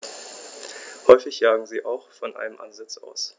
Häufig jagen sie auch von einem Ansitz aus.